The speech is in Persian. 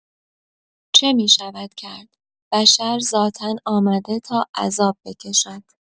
چه می‌شود کرد، بشر ذاتا آمده تا عذاب بکشد.